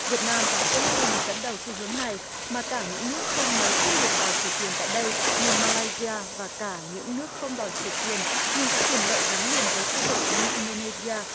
việt nam và phi líp pin dẫn đầu xu hướng này mà cả những nước không mấy quyết liệt đòi chủ quyền tại đây như ma lai di a và cả những nước không đòi chủ quyền nhưng có quyền lợi gắn liền với khu vực như in đô nê si a